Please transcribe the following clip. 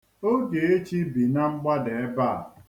Ogechi bi na mgbada ebe a.